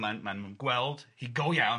ma'n ma' nhw'n gweld hi go iawn,